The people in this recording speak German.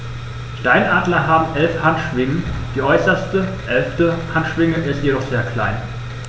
Steinadler haben 11 Handschwingen, die äußerste (11.) Handschwinge ist jedoch sehr klein.